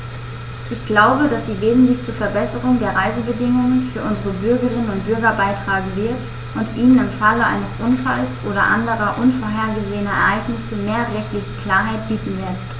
Ich glaube, dass sie wesentlich zur Verbesserung der Reisebedingungen für unsere Bürgerinnen und Bürger beitragen wird, und ihnen im Falle eines Unfalls oder anderer unvorhergesehener Ereignisse mehr rechtliche Klarheit bieten wird.